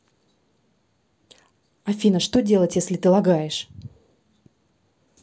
афина что делать если ты лагаешь